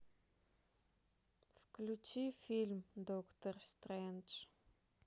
включи фильм доктор стрэндж